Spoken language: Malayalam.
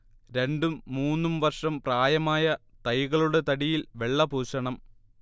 രണ്ടും മൂന്നും വർഷം പ്രായമായ തൈകളുടെ തടിയിൽ വെള്ള പൂശണം